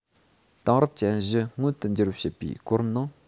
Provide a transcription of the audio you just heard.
དེང རབས ཅན བཞི མངོན དུ འགྱུར བར བྱེད པའི གོ རིམ ནང